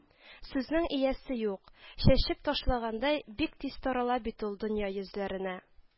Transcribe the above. Сүзнең иясе юк, чәчеп ташлагандай, бик тиз тарала бит ул дөнья йөзләренә